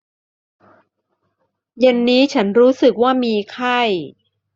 เย็นนี้ฉันรู้สึกว่ามีไข้